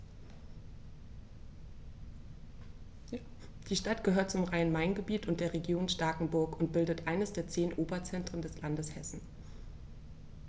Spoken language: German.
Die Stadt gehört zum Rhein-Main-Gebiet und der Region Starkenburg und bildet eines der zehn Oberzentren des Landes Hessen.